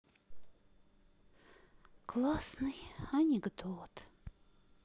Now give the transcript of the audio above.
классный анекдот